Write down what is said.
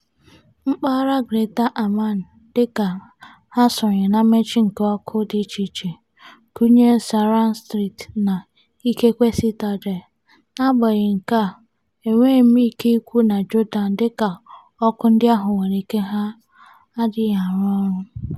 Mpaghara Greater Amman dịka ha sonyere na mmechi nke ọkụ dị icheiche, gụnyere Zahran Street, na, ikekwe Citadel (n'agbanyeghị nke a enweghị m ike ikwu na Jordan dịka ọkụ ndị ahụ nwere ike ha adịghị arụ ọrụ).